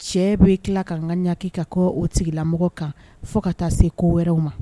Cɛ bɛi tila k ka ka ɲaki ka kɔ o sigilamɔgɔ kan fo ka taa se ko wɛrɛw ma